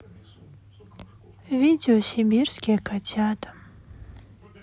видео сибирские котята